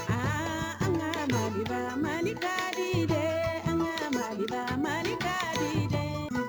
Saba ma marikari le ma marikari le le